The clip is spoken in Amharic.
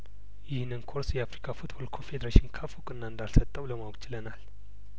ይህን ኮርስ የአፍሪካ ፉትቦል ኮንፌዴሬሽን ካፍ እውቅና እንዳልሰጠው ለማወቅ ችለናል